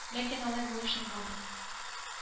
Ләкин алай булып чыкмады